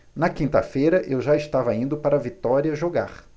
na quinta-feira eu já estava indo para vitória jogar